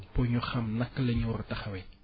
pour ñu xam naka la ñu war a taxawee